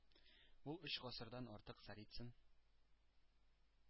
Ул өч гасырдан артык – Царицын,